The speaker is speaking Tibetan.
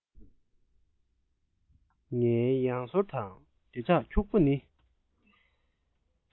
ངའི ཡང ཟོར དང བདེ ལྕག འཁྱུག པོ ནི